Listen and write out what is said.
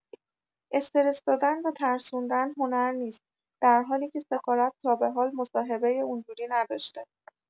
استرس دادن و ترسوندن هنر نیست در حالی که سفارت تابحال مصاحبه اونجوری نداشته!